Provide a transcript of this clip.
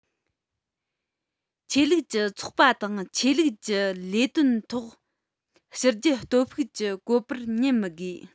ཆོས ལུགས ཀྱི ཚོགས པ དང ཆོས ལུགས ཀྱི ལས དོན ཐོག ཕྱི རྒྱལ སྟོབས ཤུགས ཀྱི བཀོད པར ཉན མི དགོས